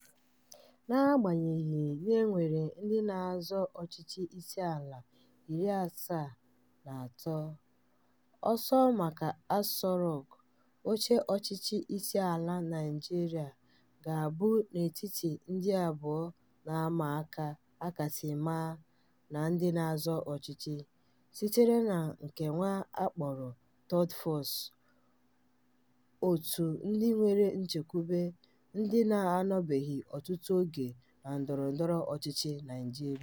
Na-agbanyeghị na e nwere ndị na-azọ ọchịchị isi ala 73, ọsọ maka Aso Rock — oche ọchịchị isi ala Naịjirịa — ga-abụ n'etiti ndị abụọ na-ama aka a kasị maa na ndị na-azọ ọchịchị sitere na nke nwa a kpọrọ "third force", òtù ndị nwere nchekwube ndị na-anọbeghị ọtụtụ oge na ndọrọ ndọrọ ọchịchị naijirịa.